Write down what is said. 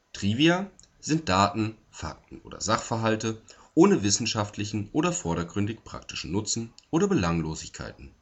Trivia sind Daten, Fakten, oder Sachverhalte ohne wissenschaftlichen oder vordergründig praktischen Nutzen oder Belanglosigkeiten